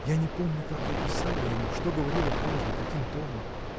Я не помню, как я писала ему, что говорила прежде, каким тоном.